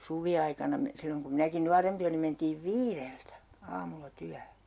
suviaikana - silloin kun minäkin nuorempi olin mentiin viideltä aamulla työhön